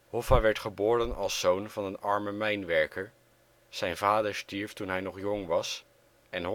Hoffa werd geboren als zoon van een arme mijnwerker, zijn vader stierf toen hij nog jong was en